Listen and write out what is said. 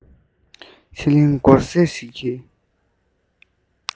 ཕྱི གླིང མགོ སེར ཞིག གིས